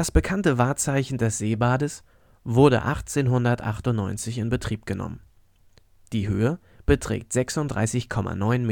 bekannte Wahrzeichen des Seebades wurde 1898 in Betrieb genommen. Die Höhe beträgt 36,90 m